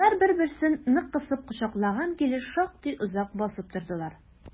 Алар бер-берсен нык кысып кочаклаган килеш шактый озак басып тордылар.